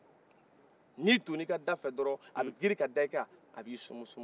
ni donna i ka dafɛ dɔrɔn a bɛ grin ka da i kan a b'i sumu sumu